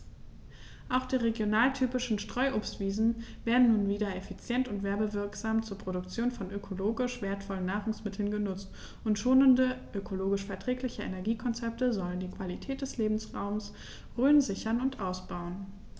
Auch die regionaltypischen Streuobstwiesen werden nun wieder effizient und werbewirksam zur Produktion von ökologisch wertvollen Nahrungsmitteln genutzt, und schonende, ökologisch verträgliche Energiekonzepte sollen die Qualität des Lebensraumes Rhön sichern und ausbauen.